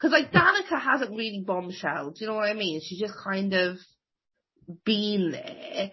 'Cos like Danica hasn't really bombshelled do you know what I mean? She's just kind of been there.